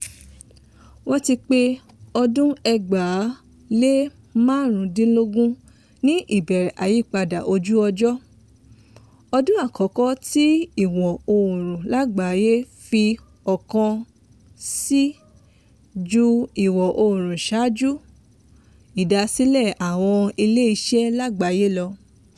Wọ́n ti pé ọdún 2015 ní ìbẹ̀rẹ̀ ìyípadà ojú ọjọ́; ọdún àkọ́kọ́ tí ìwọ̀n ooru lágbàáyé fi 1°C ju ìwọ̀n ooru ṣáájú ìdásílẹ̀ àwọn ilé iṣẹ́ lágbàáyé lọ.